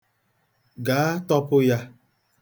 Gaa, tọpụ ya.